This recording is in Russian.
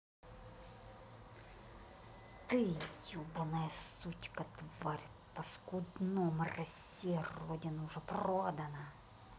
ты ебаная сучка тварь паскудном россия родина уже продана